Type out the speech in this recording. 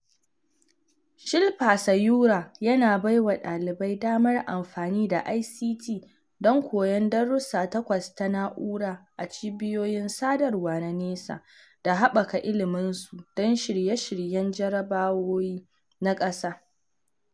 Shilpa Sayura yana bai wa ɗalibai damar amfani da ICT don koyon darussa takwas ta na'ura a cibiyoyin sadarwa na nesa da haɓaka iliminsu don shirye-shiryen jarrabawoyi na ƙasa.